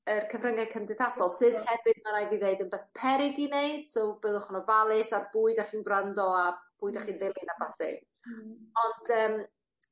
yr cyfryngau cymdeithasol sydd hefyd ma' raid fi ddeud yn beth peryg i neud so byddwch yn ofalus ar bwy 'dach chi'n gwrando ar pwy 'dach chi'n ddilyn a ballu. Ond yym